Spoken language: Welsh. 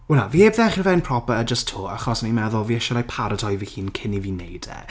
O na, fi heb ddechrau fe'n proper jyst 'to achos fi'n meddwl fi isie paratoi fy hyn cyn i fi wneud e.